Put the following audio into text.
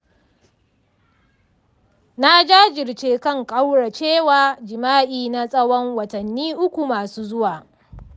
na jajirce kan kauracewa jima’i na tsawon watanni uku masu zuwa.